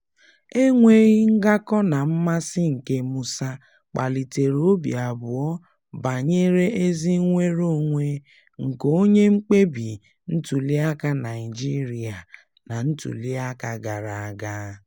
Enweghị ngakọ na mmasị nke Musa kpalitere obi abụọ banyere ezi nnwere onwe nke onye mkpebi ntụliaka Naịjirịa na ntụliaka gara aga.